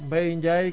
mbaye Ndiaye